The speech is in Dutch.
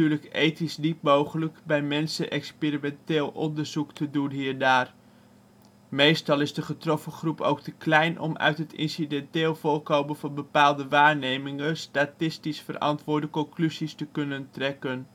ethisch niet mogelijk bij mensen experimenteel onderzoek te doen hiernaar. Meestal is de getroffen groep ook te klein om uit het incidenteel voorkomen van bepaalde waarnemingen statistisch verantwoorde conclusies te kunnen trekken